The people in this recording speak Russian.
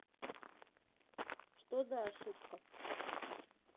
что за ошибка